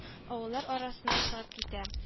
Авыллар арасына чыгып китә